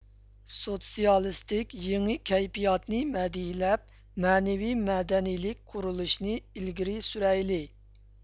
سوتسىيالىستىك يېڭى كەيپىياتنى مەدھىيلەپ مەنىۋى مەدەنىيەت قۇرۇلۇشىنى ئىلگىرى سۈرەيلى